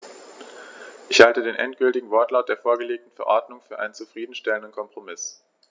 Ich halte den endgültigen Wortlaut der vorgelegten Verordnung für einen zufrieden stellenden Kompromiss.